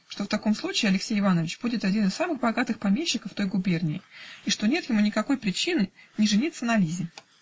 что в таком случае Алексей Иванович будет один из самых богатых помещиков той губернии, и что нет ему никакой причины не жениться на Лизе.